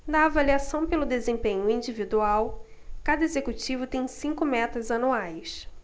na avaliação pelo desempenho individual cada executivo tem cinco metas anuais